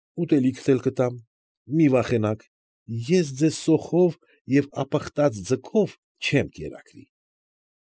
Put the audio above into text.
Ուտելիքդ էլ կտամ։ Մի՛ վախենաք, ես ձեզ սոխով և ապխտած ձկով չեմ կերակրիլ։